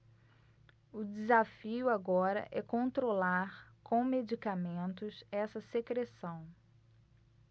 o desafio agora é controlar com medicamentos essa secreção